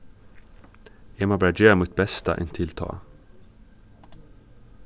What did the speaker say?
eg má bara gera mítt besta inntil tá